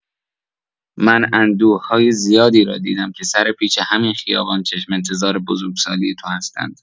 من اندوه‌های زیادی را دیدم که سر پیچ همین خیابان چشم‌انتظار بزرگ‌سالی تو هستند.